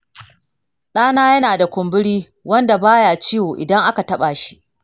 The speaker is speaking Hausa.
ɗana yana da kumburi wanda ba ya ciwo idan aka taɓa shi.